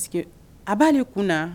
Parce que a b'a de kun